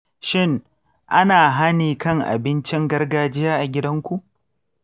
shin ana hani kan abincin gargajiya a gidanku?